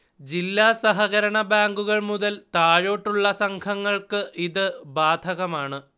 ജില്ലാ സഹകരണ ബാങ്കുകൾ മുതൽ താഴോട്ടുള്ള സംഘങ്ങൾക്ക് ഇത് ബാധകമാണ്